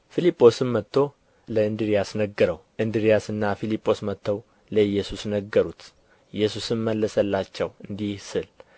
ፊልጶስም መጥቶ ለእንድርያስ ነገረው እንድርያስና ፊልጶስ መጥተው ለኢየሱስ ነገሩት ኢየሱስም መለሰላቸው እንዲህ ሲል